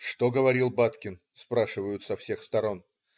Что говорил Баткин?" - спрашивают со всех сторон.